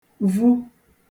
vu